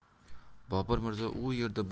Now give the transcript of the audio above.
bobur mirzo u yerda